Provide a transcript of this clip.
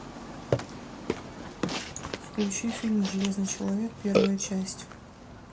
включи фильм железный человек первая часть